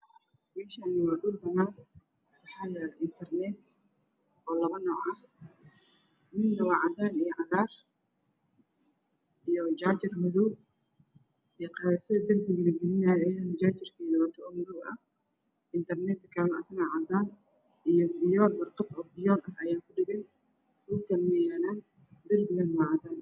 Meeshaani waa hool banaan waxaa yaalo Internet oo labo nooc ah midna waa cadaan iyo cagaar iyo jaajar madow iyo qaybisada darbiga la galinaayey iyadana jaajarkeeda wadato oo madow ah Internet ka kale isna cadaan iyo fiyool warqad oo fiyool ah ayaa ku dhagan dhulkana way yaalan darbigana waa cadaan